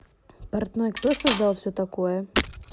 портной кто создал все такое